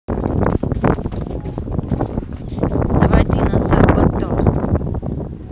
заводи назар батар